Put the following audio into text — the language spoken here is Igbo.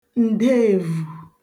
ǹdeèvù